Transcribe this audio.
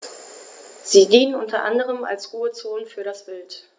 Sie dienen unter anderem als Ruhezonen für das Wild.